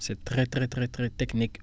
c' est très très très technique